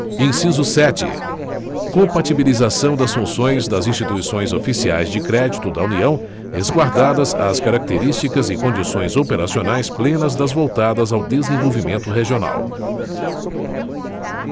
inciso sete compatibilização das funções das instituições oficiais de crédito da união resguardadas as características e condições operacionais plenas das voltadas ao desenvolvimento regional